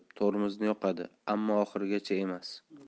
tormozni yoqadi ammo oxirigacha emas